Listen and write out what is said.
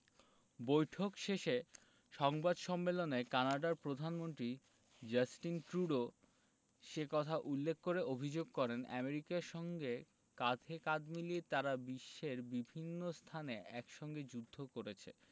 বৈঠক শেষে সংবাদ সম্মেলনে কানাডার প্রধানমন্ত্রী জাস্টিন ট্রুডো সে কথা উল্লেখ করে অভিযোগ করেন আমেরিকার সঙ্গে কাঁধে কাঁধ মিলিয়ে তারা বিশ্বের বিভিন্ন স্থানে একসঙ্গে যুদ্ধ করেছে